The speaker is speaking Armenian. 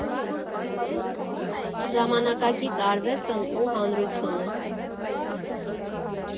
Ժամանակակից արվեստն ու հանրությունը։